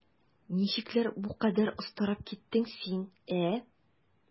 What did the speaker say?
Ничекләр бу кадәр остарып киттең син, ә?